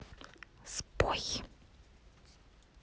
спой